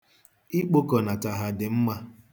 Ikpokọnata ha dị mma.